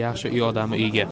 yaxshi uy odami uyga